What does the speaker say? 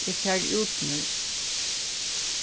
eg fari út nú